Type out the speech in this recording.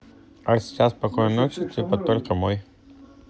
а сейчас спокойной ночи типы только мой